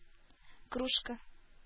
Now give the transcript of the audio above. Кружка